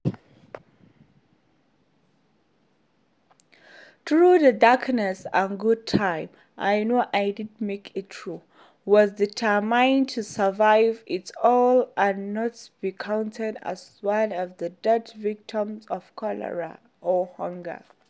Through the darkness and good times, I knew I'd make it through, was determined to survive it all and not be counted as one of the dead victims of cholera or hunger.